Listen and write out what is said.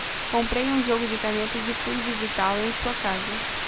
comprei um jogo de canetas e fui visitá-lo em sua casa